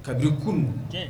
Ka kunun